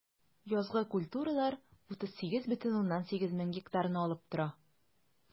Язгы культуралар 38,8 мең гектарны алып тора.